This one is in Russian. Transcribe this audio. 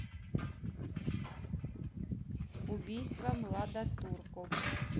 убийство младотурков